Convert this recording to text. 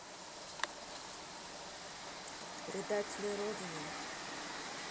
предатели родины